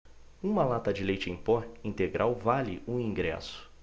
uma lata de leite em pó integral vale um ingresso